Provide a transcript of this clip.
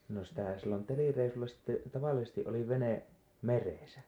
no sitä silloin telireissulla sitten tavallisesti oli vene meressä